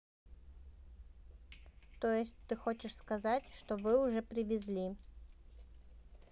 то есть ты хочешь сказать что вы уже привезли